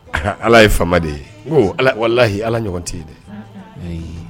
Aa ala ye faama de ye ko walahi ala ɲɔgɔn tɛ ye dɛ